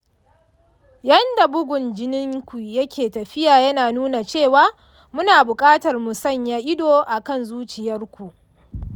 yadda bugun jinin ku yake tafiya ya nuna cewa muna buƙatar mu sanya ido a kan zuciyarku.